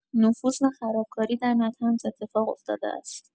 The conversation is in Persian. نفوذ و خرابکاری در نطنز اتفاق افتاده است